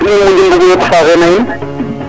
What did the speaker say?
Ten i moƴu mbugoyo to faaxee na in